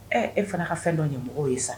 Ɛ e fana ka fɛn dɔ ɲɛ mɔgɔw ye sa